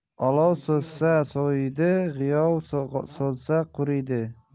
olov so'nsa soviydi giyoh so'lsa quriydi